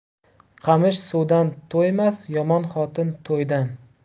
qamish suvdan to'ymas yomon xotin to'ydan